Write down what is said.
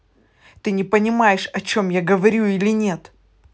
ты не понимаешь о чем я говорю или нет